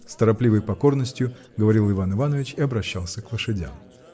— с торопливой покорностью говорил Иван Иванович и обращался к лошадям.